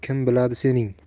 kim biladi sening